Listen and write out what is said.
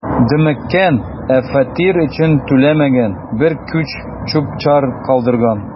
„дөмеккән, ә фатир өчен түләмәгән, бер күч чүп-чар калдырган“.